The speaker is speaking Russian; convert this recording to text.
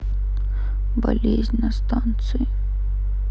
болезнь на станции